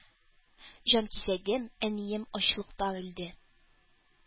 Җанкисәгем — әнием — ачлыктан үлде.